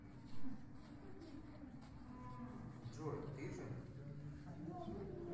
джой ты же